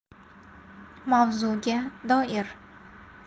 mavzuga doir